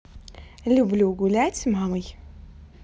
люблю гулять с мамой